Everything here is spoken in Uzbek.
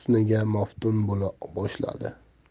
husniga maftun bo'la boshladi